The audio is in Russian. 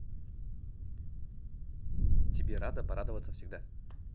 тебе рада порадоваться всегда